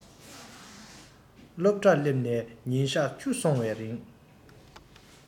སློབ གྲྭར སླེབས ནས ཉིན གཞག བཅུ སོང བའི རིང